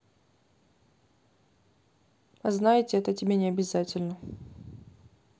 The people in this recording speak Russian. знаете это тебе не обязательно